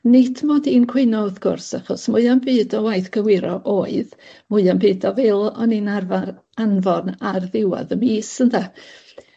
Nid mod i'n cwyno wrth gwrs, achos mwya'm byd o waith cywiro o'dd mwya'm byd o fil o'n i'n arfar anfon ar ddiwadd y mis, ynde?